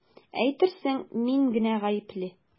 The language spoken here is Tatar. Әйтерсең мин генә гаепле!